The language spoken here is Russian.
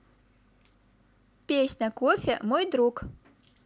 песня кофе мой друг